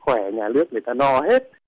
nhà nước người ta lo hết